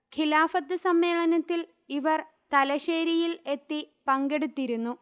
ഖിലാഫത്ത് സമ്മേളനത്തിൽ ഇവർ തലശ്ശേരിയിൽ എത്തി പങ്കെടുത്തിരുന്നു